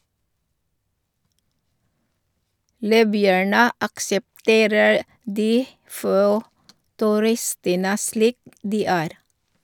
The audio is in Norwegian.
Libyerne aksepterer de få turistene slik de er.